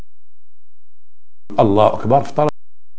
الله اكبر